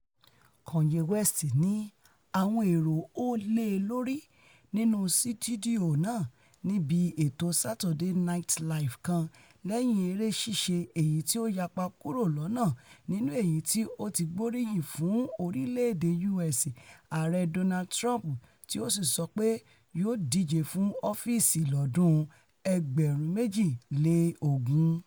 Kanye West ni àwọn èrò hó lé lórí nínú situdio náà níbi ètò Saturday Night Live kan lẹ́yin eré ṣíṣe èyití ó yapa kuro lọ́nà nínú èyití ó ti gbóríyìn fún orílẹ̀-èdè U.S. Ààrẹ Donald Trump tí ó sì sọ pé yóò díje fún ọ́fíìsì lọ́dún 2020.